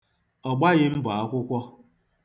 Ọ gbaghị mbọ akwụkwọ.